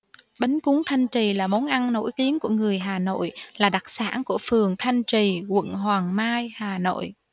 bánh cuốn thanh trì là món ăn nổi tiếng của người hà nội là đặc sản của phường thanh trì quận hoàng mai hà nội